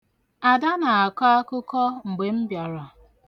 Ada na-akọ akụkọ mgbe m bịara.